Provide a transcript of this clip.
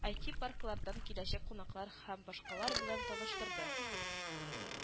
Айти-парклардан киләчәк кунаклар һәм башкалар белән таныштырды